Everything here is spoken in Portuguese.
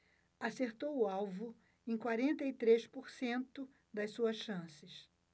acertou o alvo em quarenta e três por cento das suas chances